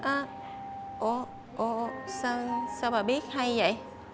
a ủa ủa sao sao bà biết hay vậy